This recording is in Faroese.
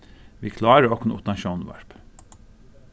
vit klára okkum uttan sjónvarp